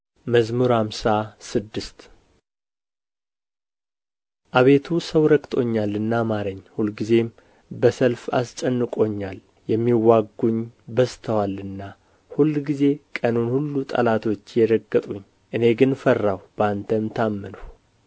መዝሙር ሃምሳ ስድስት አቤቱ ሰው ረግጦኛልና ማረኝ ሁልጊዜም በሰልፍ አስጨንቆኛል የሚዋጉኝ በዝተዋልና ሁልጊዜ ቀኑን ሁሉ ጠላቶቼ ረገጡኝ እኔ ግን ፈራሁ በአንተም ታመንሁ